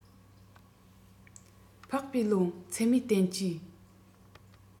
འཕགས པའི ལུང ཚད མའི བསྟན བཅོས